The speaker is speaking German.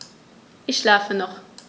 Ich schlafe noch.